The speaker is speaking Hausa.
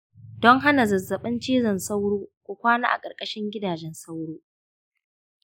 don hana zazzabin cizon sauro, ku kwana a ƙarƙashin gidajen sauro